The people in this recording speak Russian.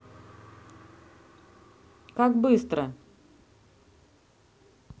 как быстро